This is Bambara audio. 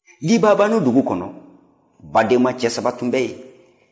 libaabanun dugu kɔnɔ badenma cɛ saba tun bɛ yen